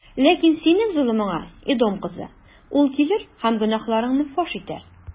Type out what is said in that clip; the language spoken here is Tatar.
Ләкин синең золымыңа, Эдом кызы, ул килер һәм гөнаһларыңны фаш итәр.